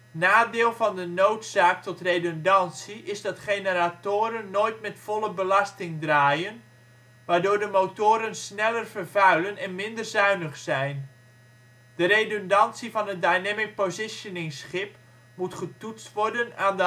Nadeel van de noodzaak tot redundantie is dat generatoren nooit met volle belasting draaien, waardoor de motoren sneller vervuilen en minder zuinig zijn. De redundantie van een dynamic positioning-schip moet getoetst worden aan